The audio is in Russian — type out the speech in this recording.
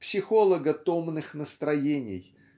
психолога томных настроений